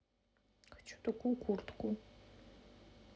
хочу такую куртку